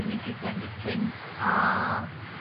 un deg pedwar un deg pump a